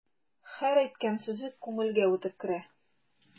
Һәр әйткән сүзе күңелгә үтеп керә.